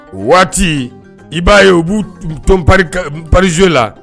O waati i b'a ye u b'u tɔnon pazo la